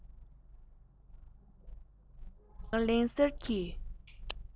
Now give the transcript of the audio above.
ལག ལེན གསེར གྱི